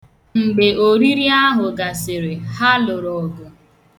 Mgbe oriri ahụ gasịrị, ha lụrụ ọgụ.